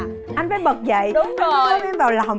ảnh phải bật dậy ôm em vào lòng đúng